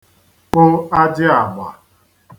kpụ ajịàgbà